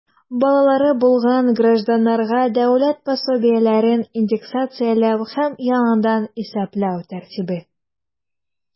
Балалары булган гражданнарга дәүләт пособиеләрен индексацияләү һәм яңадан исәпләү тәртибе.